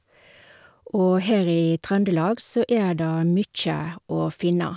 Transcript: Og her i Trøndelag så er det mye å finne.